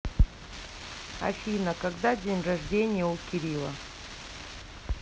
афина когда день рождения у кирилла